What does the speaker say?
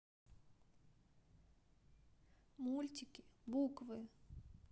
мультики буквы